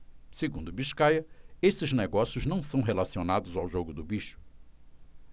segundo biscaia esses negócios não são relacionados ao jogo do bicho